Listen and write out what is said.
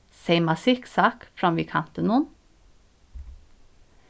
seyma sikksakk framvið kantinum